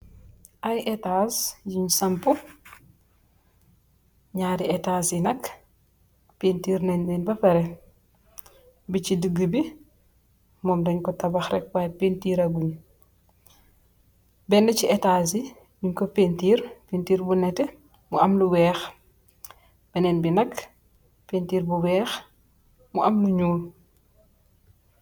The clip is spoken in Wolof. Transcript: Aye etanse yun sampu nyarri etanse yi nak painter nen len ba parri busi diguh bi mom danye ku tabakh rek waye paintir lagunye ku bena si etanse yi nyung ku paintir bu neteh mu am lu weex benen bi nak paintir bu weex mu am lu nyul